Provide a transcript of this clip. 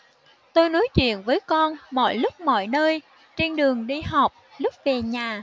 tôi nói chuyện với con mọi lúc mọi nơi trên đường đi học lúc về nhà